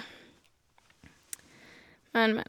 Men, men.